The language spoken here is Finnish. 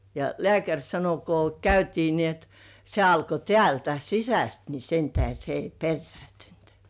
ja lääkäri sanoi kun käytiin niin että se alkoi täältä sisästä niin sen tähden se ei perääntynyt